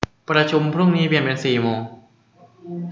ประชุมพรุ่งนี้เปลี่ยนเป็นสี่โมง